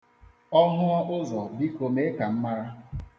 Ọ hụọ ụzọ, biko mee ka m mara.